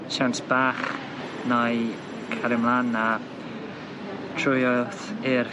siawns bach nâi cario mlan a trwyodd i'r